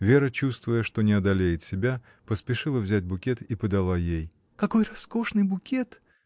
Вера, чувствуя, что не одолеет себя, поспешила взять букет и подала ей. — Какой роскошный букет!